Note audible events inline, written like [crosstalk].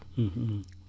[hesitation] [hesitation]